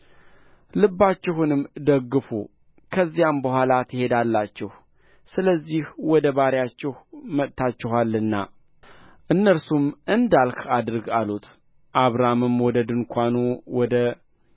ልባችሁንም ደግፋ ከዚያም በኋላ ትሄዳላችሁ ስለዚህ ወደ ባሪያችሁ መጥታችኋልና እነርሱም እንዳልህ አድርግ አሉት አብርሃምም ወደ ድንኳን ወደ